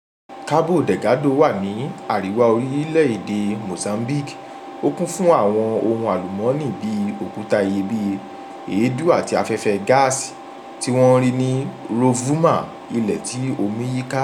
Cabo Delgado wà ní àríwá orílè-èdè Mozambique, ó kún fún àwọn ohun àlùmọ́nì bí i òkúta iyebíye, èédú àti afẹ́fẹ́ gáàsì tí wọ́n rí ní Rovuma, ilẹ tí omí yí ká.